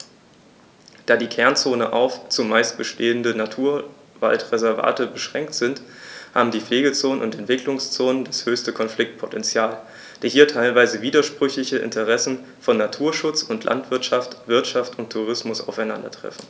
Da die Kernzonen auf – zumeist bestehende – Naturwaldreservate beschränkt sind, haben die Pflegezonen und Entwicklungszonen das höchste Konfliktpotential, da hier die teilweise widersprüchlichen Interessen von Naturschutz und Landwirtschaft, Wirtschaft und Tourismus aufeinandertreffen.